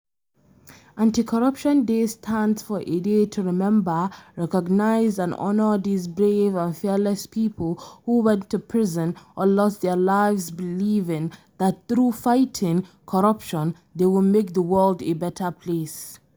Anti-Corruption Day stands for a day to remember, recognise and honour these brave and fearless people, who went to prison or lost their lives believing that through fighting corruption they will make the world a better place.